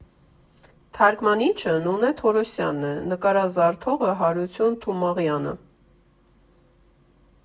Թարգմանիչը Նունե Թորոսյանն է, նկարազարդողը՝ Հարություն Թումաղյանը։